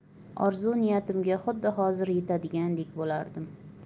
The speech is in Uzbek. orzu niyatimga xuddi hozir yetadigandek bo'lardim